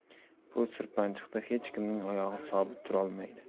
bu sirpanchiqda hech kimning oyog'i sobit turolmaydi